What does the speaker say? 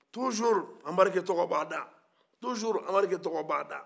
sanga ani waat anbarike tɔgɔ bɛ a da